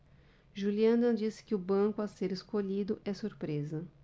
juliana disse que o banco a ser escolhido é surpresa